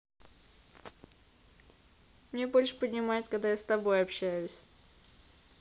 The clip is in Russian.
мне больше поднимает когда я с тобой общаюсь